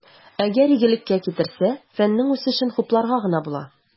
Әгәр игелеккә китерсә, фәннең үсешен хупларга гына була.